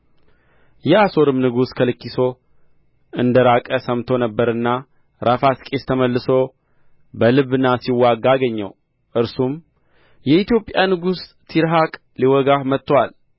የአሦርም ንጉሥ ከለኪሶ እንደ ራቀ ሰምቶ ነበርና ራፋስቂስ ተመልሶ በልብና ሲዋጋ አገኘው እርሱም የኢትዮጵያ ንጉሥ ቲርሐቅ ሊዋጋህ መጥቶአል